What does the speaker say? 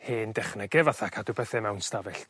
hen dechnege fatha cadw bethe mewn stafell